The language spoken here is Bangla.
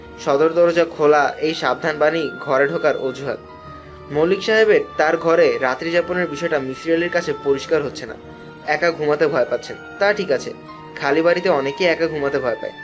সদর দরজা খোলা এই সাবধান বাণী ঘরে ঢোকার অজুহাত মল্লিক সাহেবের ঘরে রাত্রি যাপনের বিষয়টা মিসির আলির কাছে পরিষ্কার হচ্ছে না একা ঘুমাতে ভয় পাচ্ছেন তা ঠিক আছে খালি বাড়ীতে অনেকেই একা ঘুমাতে ভয় পায়